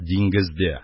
ДИҢГЕЗДӘ